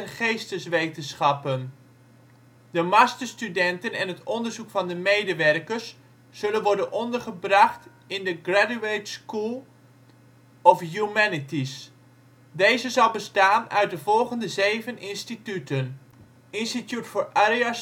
Geesteswetenschappen. De masterstudenten en het onderzoek van de medewerkers zullen worden ondergebracht in de Graduate School of Humanities. Deze zal bestaan uit de volgende zeven instituten. Institute for Area